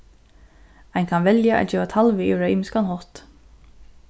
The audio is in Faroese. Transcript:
ein kann velja at geva talvið yvir á ymiskan hátt